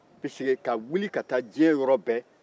parce que ka wuli ka taa diɲɛ yɔrɔ bɛɛ